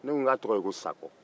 ne ko ka tɔgɔ ye ko sakɔ